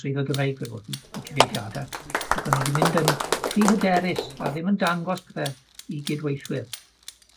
###swyddfa Gymreig fel o'dd hi, y cyfieithiada, ac o'n i wedi mynd yn rhy hyderus a ddim yn dangos pethe i gydweithwyr.